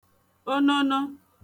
onono